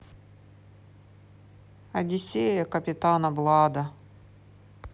одиссея капитана блада